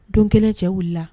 Don kelen cɛ wulila